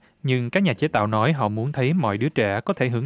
nhưng các nhà chế tạo nói họ muốn thấy mọi đứa trẻ có thể hưởng